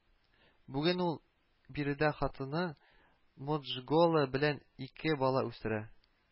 Бүген ул биредә хатыны Моджгола белән ике бала үстерә